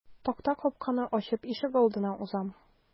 Такта капканы ачып ишегалдына узам.